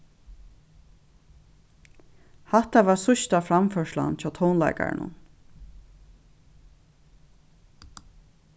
hatta var síðsta framførslan hjá tónleikaranum